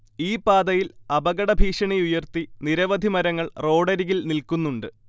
ഈപാതയിൽ അപകടഭീഷണിയുയർത്തി നിരവധി മരങ്ങൾ റോഡരികിൽ നിൽക്കുന്നുണ്ട്